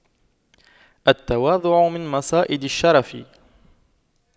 التواضع من مصائد الشرف